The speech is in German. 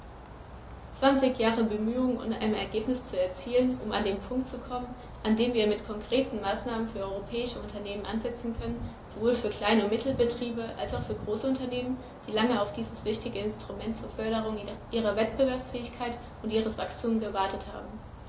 Zwanzig Jahre Bemühungen, um ein Ergebnis zu erzielen, um an den Punkt zu kommen, an dem wir mit konkreten Maßnahmen für europäische Unternehmen ansetzen können, sowohl für Klein- und Mittelbetriebe als auch für große Unternehmen, die lange auf dieses wichtige Instrument zur Förderung ihrer Wettbewerbsfähigkeit und ihres Wachstums gewartet haben.